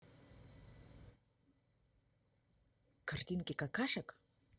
картинки какашек